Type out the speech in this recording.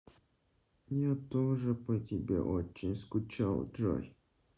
я тоже по тебе очень скучал джой